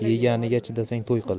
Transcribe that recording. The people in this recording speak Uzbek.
yeganiga chidasang to'y qil